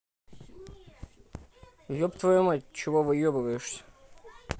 еб твою мать чего выебываешься